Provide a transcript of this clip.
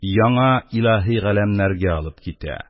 Яңа илаһи галәмнәргә алып китә